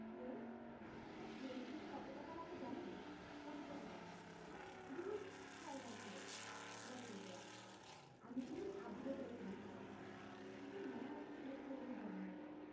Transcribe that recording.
plane একটা plane কিনতে কত টাকা লাগে জানিস কোটি কোটি টাকা দূর খেলনার প্লেন ব্যাটারি দেয়া আমি সেদিন আবুদের বাড়িতে দেখেছি খোকন মহা উৎসাহে প্লেনের বর্ণনা দেয়